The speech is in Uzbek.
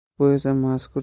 bu esa mazkur